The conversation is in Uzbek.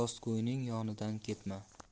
rostgo'yning yonidan ketma